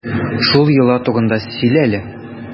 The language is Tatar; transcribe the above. Шул йола турында сөйлә әле.